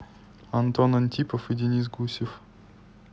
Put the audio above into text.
антон антипов и денис гусев